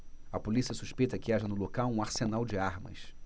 a polícia suspeita que haja no local um arsenal de armas